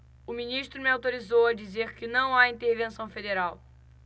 o ministro me autorizou a dizer que não há intervenção federal